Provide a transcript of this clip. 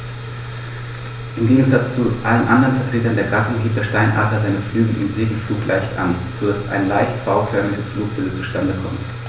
Im Gegensatz zu allen anderen Vertretern der Gattung hebt der Steinadler seine Flügel im Segelflug leicht an, so dass ein leicht V-förmiges Flugbild zustande kommt.